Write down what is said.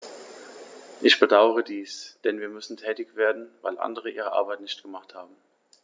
Ich bedauere dies, denn wir müssen tätig werden, weil andere ihre Arbeit nicht gemacht haben.